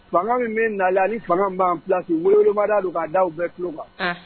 Fanga min bɛ na ni fanga b'an filasi wolomada don k'a da bɛɛ tulolo kan